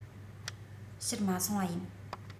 ཕྱིར མ སོང བ ཡིན